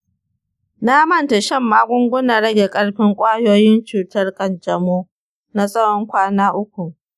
na manta shan magungunan rage ƙarfin ƙwayoyin cutar kanjamau na tsawon kwana uku.